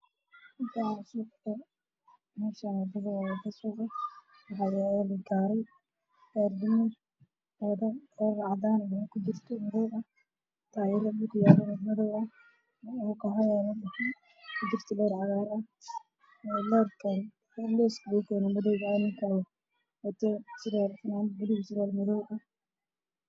Waa meel suuq oo wasaq badan waxaa maraayo gaari dameer